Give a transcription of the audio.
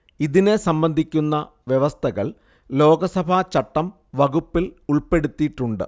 ഇതിനെ സംബന്ധിക്കുന്ന വ്യവസ്ഥകൾ ലോകസഭാചട്ടം വകുപ്പിൽ ഉൾപ്പെടുത്തിയിട്ടുണ്ട്